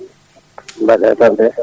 mbaɗɗa e tampere